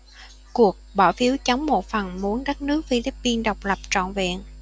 cuộc bỏ phiếu chống một phần muốn đất nước philippines độc lập trọn vẹn